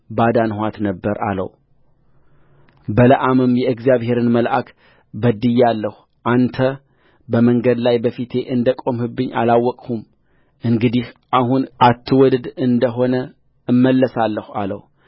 ባዳንኋት ነበር አለውበለዓምም የእግዚአብሔርን መልአክ በድያለሁ አንተ በመንገድ ላይ በፊቴ እንደቆምህብኝ አላወቅሁም እንግዲህም አሁን አትወድድ እንደ ሆነ እመለሳለሁ አለው